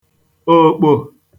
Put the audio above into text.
òkpò